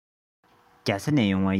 རྒྱ ཚ ནས ཡོང བ ཡིན